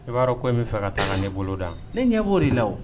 I b'a dɔn ko in bɛ fɛ ka taa, ka ne bolo dan. Ne ɲɛ b'o de la o!